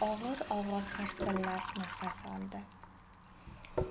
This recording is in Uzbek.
og'ir og'ir harsillab nafas oldi